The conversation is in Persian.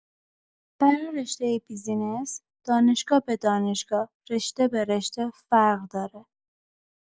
برا رشته بیزینس، دانشگاه به دانشگاه، رشته به رشته، فرق داره.